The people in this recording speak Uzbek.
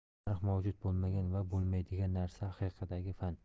tarix mavjud bo'lmagan va bo'lmaydigan narsa haqidagi fan